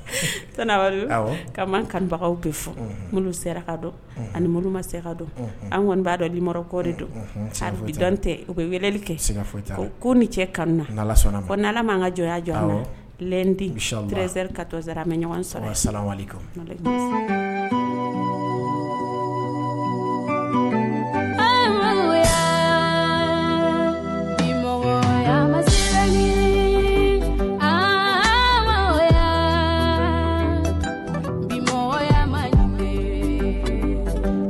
Ka man kanubagaw bɛ fo sera ka dɔn ani ma se ka dɔn an kɔni b'a dɔn bi kɔɔri don dante u bɛli kɛ ko ni cɛ kanu ala'an kajɔya jɔzri ka mɛ ɲɔgɔn ni